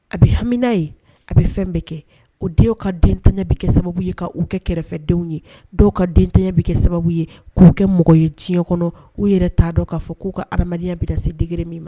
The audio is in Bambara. A bɛ hami ye a bɛ fɛn bɛ kɛ o denw ka denya bɛ kɛ sababu ye k' uu kɛ kɛrɛfɛdenw ye dɔw ka denya bɛ kɛ sababu ye k'u kɛ mɔgɔ ye tiɲɛ kɔnɔ u yɛrɛ t'a dɔn k'a fɔ k'u ka ha adamadenyaya bɛ se dg min ma